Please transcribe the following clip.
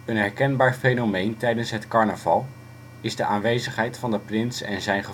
herkenbaar fenomeen tijdens het carnaval is de aanwezigheid van de prins en zijn